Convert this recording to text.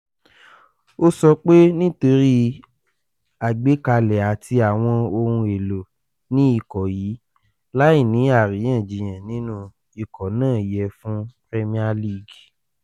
Ó sọ pé, Nítorí àgbékalẹ̀ àti àwọn ohun elo ni ikọ̀ yìí, làí ní àríyànjiyàn nínú ikọ̀ náà yẹ́ fún Premier league.